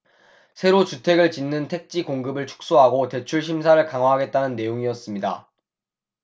새로 주택을 짓는 택지공급을 축소하고 대출 심사를 강화하겠다는 내용이었습니다